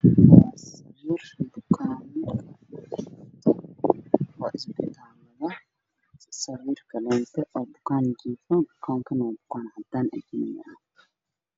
Sariirtaan waa sariirta bukaanka lagu riday waxaa saaran nin saraarta midabkooda waa caddaan wuxuuna isbitaalo sarraa loo tagay